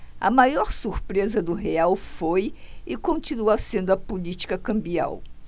a maior surpresa do real foi e continua sendo a política cambial